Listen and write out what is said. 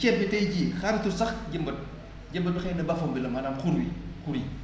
ceeb bi tay jii xaaratul sax jëmbat jëmbat xëy na bas fond bi la maanaam xur wi xur yi